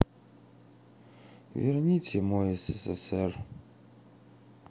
верните мой ссср